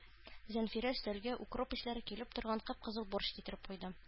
Зәнфирә өстәлгә укроп исләре килеп торган кып-кызыл борщ китереп куйды.